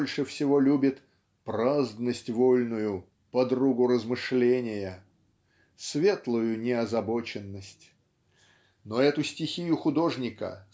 больше всего любит "праздность вольную подругу размышления" светлую неозабоченность. Но эту стихию художника